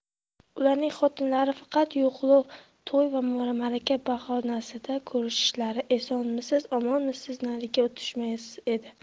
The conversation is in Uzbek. ularning xotinlari faqat yo'qlov to'y va ma'raka bahonasida ko'rishishar esonmisiz omonmisizdan nariga o'tishmas edi